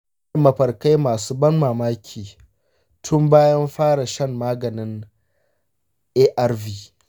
ina yin mafarkai masu ban mamaki tun bayan fara shan maganin arv.